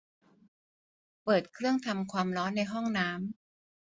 เปิดเครื่องทำความร้อนในห้องน้ำ